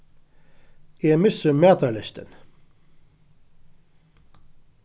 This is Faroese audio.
eg missi matarlystin